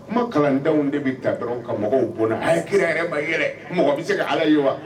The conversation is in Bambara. Kuma kalandenw de bɛ ta dɔrɔn ka mɔgɔw bɔn a ye kira yɛrɛba yɛrɛ mɔgɔ bɛ se ka ala ye wa